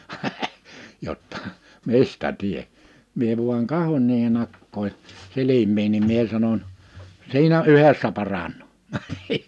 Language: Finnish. jotta mistä - minä vain katson niiden akkojen silmiin niin minä sanon siinä yhdessä paranee